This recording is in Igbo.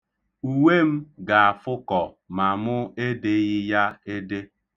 Uwe m ga-afụkọ ma mụ edeghị ya ede.